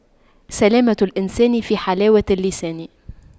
سلامة الإنسان في حلاوة اللسان